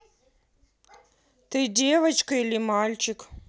ты девочка или мальчик